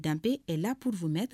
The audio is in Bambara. Dan e la purmɛ